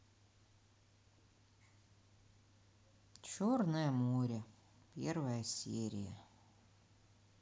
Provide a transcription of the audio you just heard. черное море первая серия